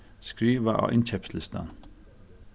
skriva á innkeypslistan